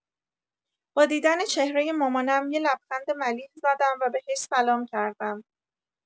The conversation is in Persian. با دیدن چهرۀ مامانم یه لبخند ملیح زدم و بهش سلام کردم.